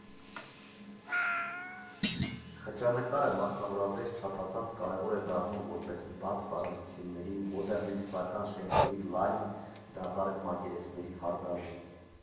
Խճանկարը, մասնավորապես, չափազանց կարևոր է դառնում որպես բաց տարածությունների, մոդեռնիստական շենքերի լայն, դատարկ մակերեսների հարդարում։